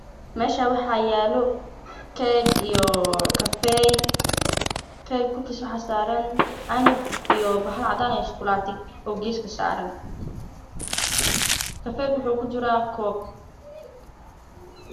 Meeshaanw axaa yaalo keeg iyo kafee kafeega wuxuu kujiraa koob